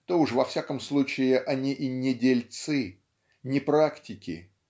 то уж во всяком случае они и не дельцы не практики.